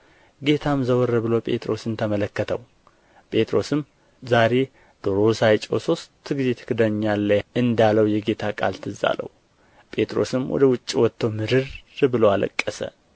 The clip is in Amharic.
ጌታም ዘወር ብሎ ጴጥሮስን ተመለከተው ጴጥሮስም ዛሬ ዶሮ ሳይጮኽ ሦስት ጊዜ ትክደኛለህ እንዳለው የጌታ ቃል ትዝ አለው ጴጥሮስም ወደ ውጭ ወጥቶ ምርር ብሎ አለቀሰ